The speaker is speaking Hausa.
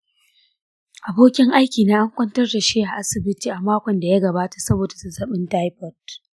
abokin aikina an kwantar da shi a asibiti a makon da ya gabata saboda zazzabin taifoid.